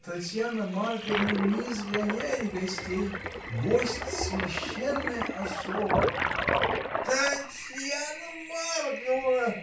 Татьяна Марковна не изгоняет гостей: гость — священная особа. Татьяна Марковна!